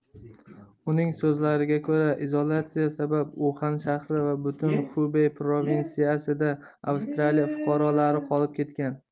uning so'zlariga ko'ra izolyatsiya sabab uxan shahri va butun xubey provinsiyasida avstraliya fuqarolari qolib ketgan